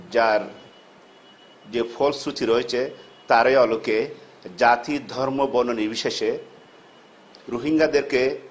যার যে ফলশ্রুতি রয়েছে তার তারই আলোকে জাতি-ধর্ম-বর্ণনির্বিশেষে রোহিঙ্গাদেরকে